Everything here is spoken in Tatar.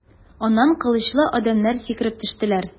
Аннан кылычлы адәмнәр сикереп төштеләр.